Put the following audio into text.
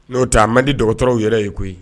N'o ta malidi dɔgɔ dɔgɔtɔrɔw yɛrɛ ye koyi